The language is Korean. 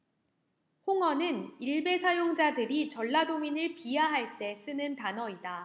홍어는 일베 사용자들이 전라도민들을 비하할 때 쓰는 단어이다